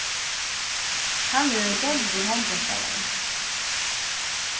hann er ein góður hondbóltsspælari